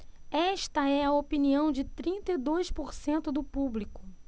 esta é a opinião de trinta e dois por cento do público